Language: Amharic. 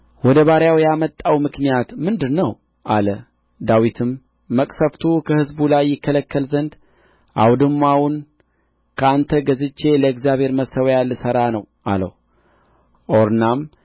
ወደ ባሪያው ያመጣው ምክንያት ምንድር ነው አለ ዳዊትም መቅሠፍቱ ከሕዝቡ ላይ ይከለከል ዘንድ አውድማውን ከአንተ ገዝቼ ለእግዚአብሔር መሠዊያ ልሠራ ነው አለው ኦርናም